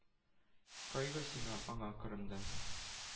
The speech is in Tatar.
— кайгы сиңа, ана, кырымда